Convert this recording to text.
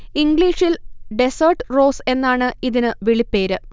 ഇംഗ്ലീഷിൽ 'desert rose' എന്നാണ് ഇതിനു വിളിപ്പേര്